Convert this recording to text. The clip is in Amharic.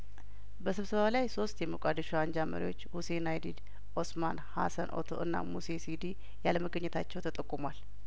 በስብሰባው ላይ ሶስት የሞቃዲሾ አንጃ መሪዎች ሁሴን አይዲድ ኦስማን ሀሰን ኦቶ እና ሙሴ ሲዲ ያለመገኘታቸው ተጠቁሟል